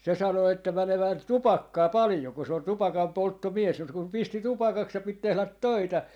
se sanoi että menee tupakkaa paljon kun se on tupakanpolttomies mutta kun pisti tupakaksi ja piti tehdä töitä